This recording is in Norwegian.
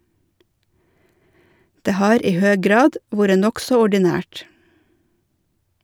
Det har, i høg grad, vore nokså ordinært.